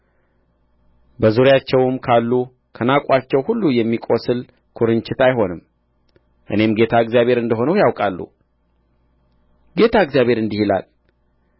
በዙሪያቸውም ካሉ ካናቋቸው ሁሉ የሚያቈስል ኵርንችት አይሆንም እኔም ጌታ እግዚአብሔር እንደ ሆንሁ ያውቃሉ ጌታ እግዚአብሔር እንዲህ ይላል